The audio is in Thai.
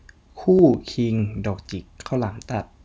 คู่คิงดอกจิกข้าวหลามตัด